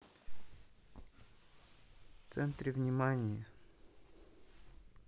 в центре внимания